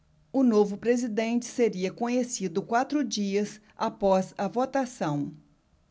o novo presidente seria conhecido quatro dias após a votação